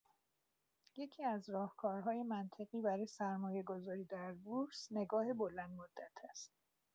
یکی‌از راهکارهای منطقی برای سرمایه‌گذاری در بورس، نگاه بلندمدت است.